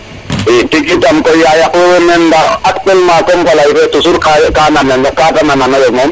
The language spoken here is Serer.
tge itam yayaq we mbay men nda actuellement comme faley fe toujours ka ka nanan ka te nanano yo moom